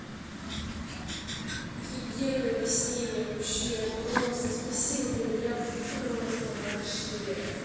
офигенное объяснение вообще просто спасибо блин я просто вообще